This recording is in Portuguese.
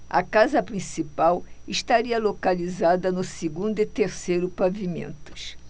a casa principal estaria localizada no segundo e terceiro pavimentos